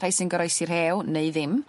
rhai' sy'n goroesi rhew neu ddim